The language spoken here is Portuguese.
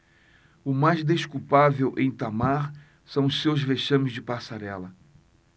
o mais desculpável em itamar são os seus vexames de passarela